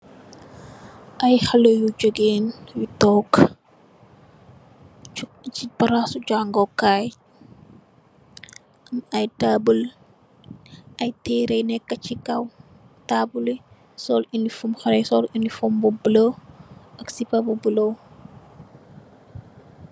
Ay xale yu jigeen yu tog si palasi jànge kai ay tabul ay tere yu neka si kaw tabul yi sol eleform xale yi sol eleform bu bulu ak sipa bu bulu.